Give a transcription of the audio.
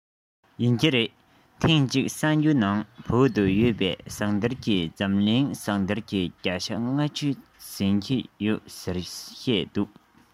ཡིན གྱི རེད ཐེངས གཅིག གསར འགྱུར ནང དུ བོད དུ ཡོད པའི ཟངས གཏེར གྱིས འཛམ གླིང ཟངས གཏེར གྱི བརྒྱ ཆ ལྔ བཅུ ཟིན གྱི ཡོད ཟེར བཤད འདུག